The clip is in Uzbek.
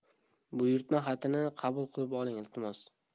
buyurtma xatni qabul qilib oling iltimos